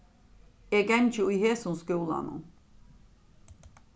eg gangi í hesum skúlanum